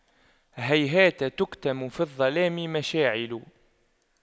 هيهات تكتم في الظلام مشاعل